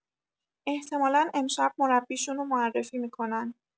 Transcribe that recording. احتمالا امشب مربیشون معرفی می‌کنن